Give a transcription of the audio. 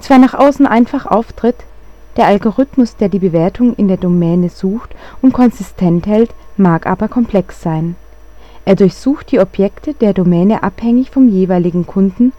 nach außen einfach auftritt; der Algorithmus, der die Bewertung in der Domäne sucht und konsistent hält mag aber komplex sein. Er durchsucht die Objekte der Domäne abhängig vom jeweiligen Kunden